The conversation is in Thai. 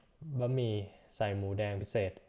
บะหมี่ใส่หมูแดงพิเศษ